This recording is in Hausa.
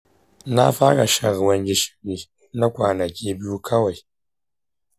na fara shan ruwan gishiri na kwanaki biyu kawai